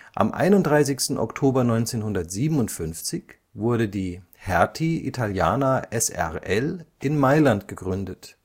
Am 31. Oktober 1957 wurde die „ Hertie Italiana s.r.l. “in Mailand gegründet